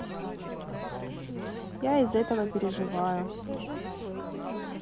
я из этого переживаю